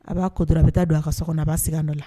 A b'a ko tora a bɛ taa don a ka so kɔnɔ a'a segin a la